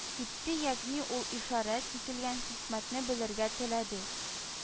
Итте, ягъни ул ишарәт ителгән хикмәтне белергә теләде